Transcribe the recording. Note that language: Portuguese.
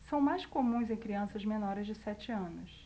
são mais comuns em crianças menores de sete anos